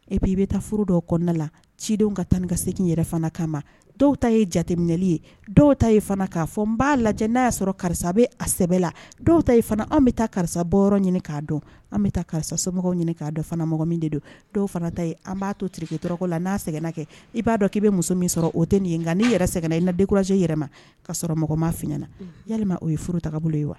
E bi i bɛ taa furu dɔw kɔnɔna la cidenw ka tan ka segin yɛrɛ fana kama ma dɔw ta ye jateminɛli ye dɔw ta ye fana k'a fɔ n b'a lajɛ n'a y'a sɔrɔ karisa bɛ a sɛbɛ la dɔw ta fana an bɛ taa karisa bɔ ɲini k'a dɔn an bɛ taa karisa somɔgɔw ɲini k' dɔn fana mɔgɔ min de don dɔw fana ta an b'a to dɔgɔtɔrɔ la n'a sɛgɛn kɛ i b'a dɔn k ii bɛ muso min sɔrɔ o tɛ nin ye n nka n'i yɛrɛ sɛgɛnna i na dekurajɛ yɛrɛ ma ka sɔrɔ mɔgɔ ma fɲɛna ya o ye furuta bolo ye wa